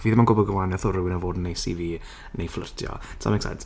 Fi ddim yn gwbod y wahaniaeth o rhywun yn fod yn neis i fi neu fflyrtio. Does that make sense?